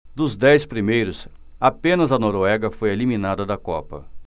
dos dez primeiros apenas a noruega foi eliminada da copa